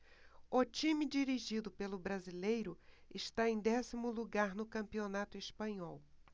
o time dirigido pelo brasileiro está em décimo lugar no campeonato espanhol